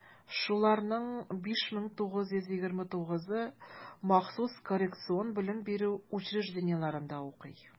Шуларның 5929-ы махсус коррекцион белем бирү учреждениеләрендә укый.